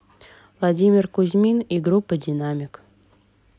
владимир кузьмин и группа динамик